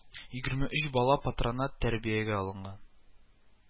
Егерме өч бала патронат тәрбиягә алынган